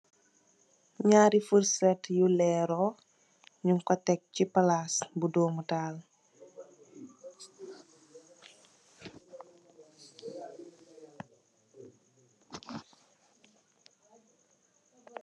Niaro furset yu lerol nim ko tek si palaso domitahal